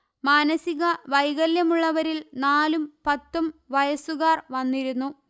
മാനസിക വൈകല്യമുള്ളവരിൽ നാലും പത്തും വയസുകാർ വന്നിരുന്നു